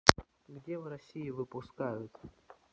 где в россии выпускают